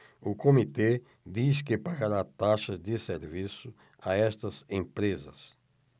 o comitê diz que pagará taxas de serviço a estas empresas